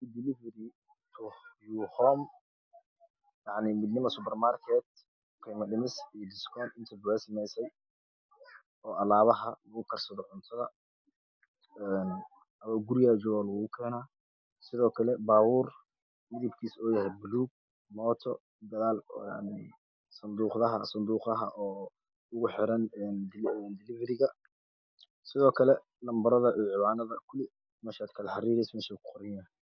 Diliifari yuuqaan Midnimo subar maarkeed qeemo dhimis iyo dhiskoonti ay sameesay oo alaabaha lagu karsato cuntada adoo gurigaaga jooga laguu keenaa sidoo kale baa buur midab kiisa yahay baluug mooto gadaal santooqadaha oo ugu xiran diliifariga sidoo kale lanbarada ciwaanada kala xariiraysid meesha ku qoran yihiin.